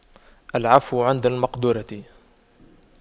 العفو عند المقدرة